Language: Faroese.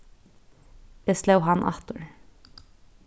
eg sló hann aftur